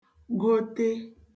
gote